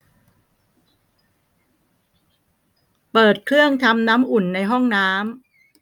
เปิดเครื่องทำน้ำอุ่นในห้องน้ำ